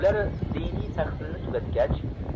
ular diniy tahsilni tugatgach